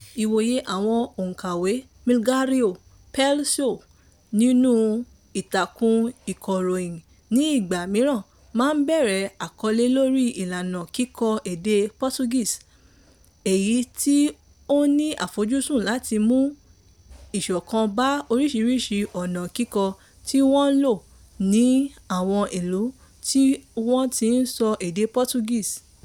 Ìwòye àwọn òǹkàwé Milagrário Pessoal nínú ìtàkùn ìkọ̀ròyìn ní ìgbà mìíràn máa ń bẹ̀rẹ̀ àkọlé lórí ìlànà kíkọ èdè Portuguese, èyí tí ó ní àfojúsùn láti mú ìṣọ̀kan bá oríṣiríṣi ọ̀nà kíkọ tí wọ́n ń lò ní àwọn ìlú tí wọ́n tí ń sọ èdè Portuguese.